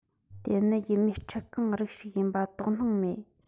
དེ ནི ཡུ མེད འཁྲིལ རྐང རིགས ཤིག ཡིན པ དོགས སྣང མེད